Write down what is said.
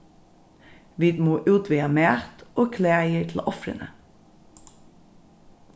vit mugu útvega mat og klæðir til ofrini